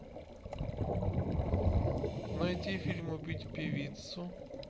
найти фильм убить певицу